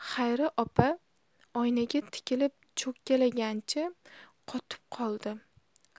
xayri opa oynaga tikilib cho'kkalagancha qotib qoldi